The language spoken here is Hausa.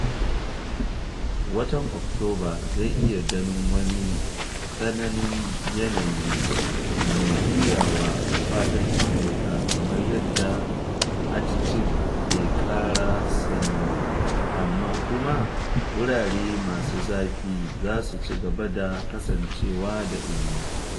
Watan Oktoba zai iya ganin wani tsananin yanayi mai juyawa a faɗin Amurka kamar yadda Arctic ke ƙara sanyi, amma kuma wurare masu zafin za su ci gaba da kasancewa da ɗumi.